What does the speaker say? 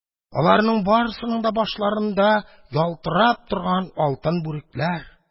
Аларның барысының да башларында ялтырап торган алтын бүрекләр.